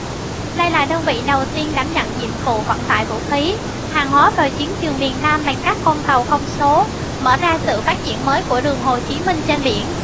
đây là đơn vị đầu tiên đảm nhận nhiệm vụ vận tải vũ khí hàng hóa vào chiến trường miền nam bằng các con tàu không số mở ra sự phát triển mới của đường hồ chí minh trên biển